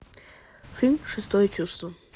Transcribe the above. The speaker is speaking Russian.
фильм шестое чувство